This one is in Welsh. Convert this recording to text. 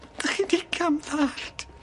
'Dach chi 'di cam ddallt.